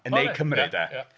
Yn Ne Cymru 'de.